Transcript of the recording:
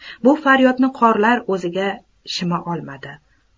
bu faryodni qorlar o'ziga shima olmadi